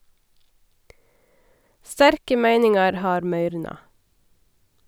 Sterke meiningar har møyrna.